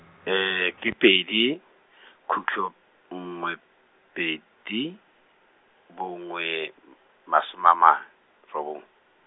, ke pedi, khutlo nngwe pedi, bongwe, m- masome ama, robong.